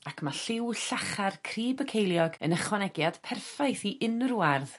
ac ma' lliw llachar crib y ceiliog yn ychwanegiad perffaith i unryw ardd.